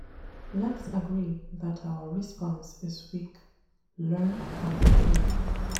Lets agree that our respone is weak, learn and improve.